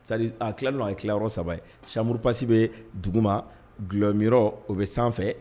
C'est à dire a tilalen don tilayɔrɔ 3 ye chambre de passe bɛ duguma, dulɔminyɔrɔ o bɛ sanfɛ